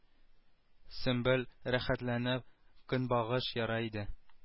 Сөмбел рәхәтләнеп көнбагыш яра иде